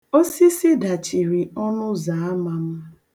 Osisi dachiri ọnụụzọ ama m.